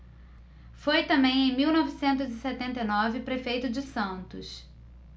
foi também em mil novecentos e setenta e nove prefeito de santos